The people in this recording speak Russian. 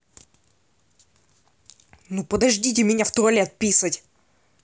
ну подождите меня в туалет писать